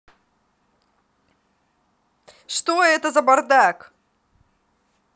что это за бардак